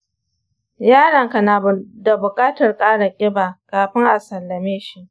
yaronka na buƙatar ƙara ƙiba kafin a sallame shi.